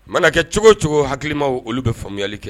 Mana kɛ cogo cogo hakilimaw olu bɛ faamuyali kɛ